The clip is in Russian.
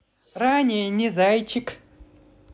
ранее не зайчик